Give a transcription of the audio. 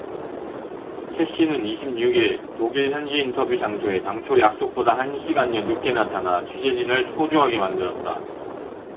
최씨는 이십 육 일 독일 현지 인터뷰 장소에 당초 약속보다 한 시간여 늦게 나타나 취재진을 초조하게 만들었다